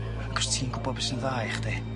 Ac os ti'n gwbo be' sy'n dda i chdi.